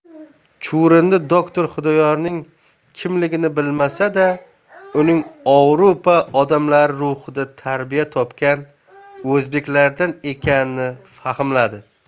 chuvrindi doktor xudoyorning kimligini bilmasa da uning ovrupo odatlari ruhida tarbiya topgan o'zbeklardan ekanini fahmladi